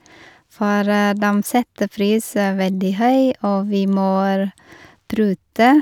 For dem setter pris veldig høy, og vi må prute.